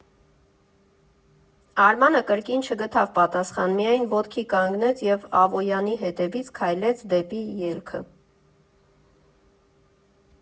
Արմանը կրկին չգտավ պատասխան, միայն ոտքի կանգնեց և Ավոյանի հետևից քայլեց դեպի ելքը։